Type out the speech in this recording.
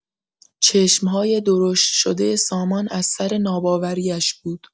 چشم‌های درشت‌شدۀ سامان از سر ناباوری‌اش بود.